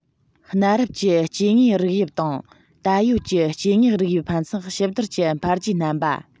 གནའ རབས ཀྱི སྐྱེ དངོས རིགས དབྱིབས དང ད ཡོད ཀྱི སྐྱེ དངོས རིགས དབྱིབས ཕན ཚུན གཤིབ བསྡུར གྱི འཕེལ རྒྱས རྣམ པ